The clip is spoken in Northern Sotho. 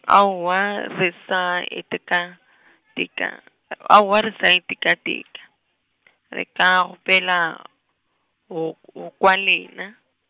aowa se sa e tekateka, aowa re se e tekateka, re ka kgopela, go go kwa lena.